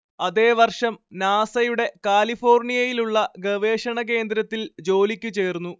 അതേ വർഷം നാസയുടെ കാലിഫോർണിയയിലുള്ള ഗവേഷണ കേന്ദ്രത്തിൽ ജോലിക്കു ചേർന്നു